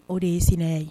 O de ye sinaya ye.